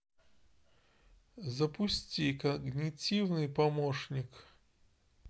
запусти когнитивный помощник